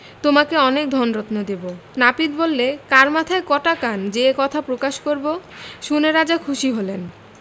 তোমাকে অনেক ধনরত্ন দেব নাপিত বললে কার মাথায় কটা কান যে এ কথা প্রকাশ করব শুনে রাজা খুশি হলেন